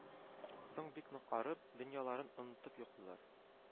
Соң бик нык арып, дөньяларын онытып йоклыйлар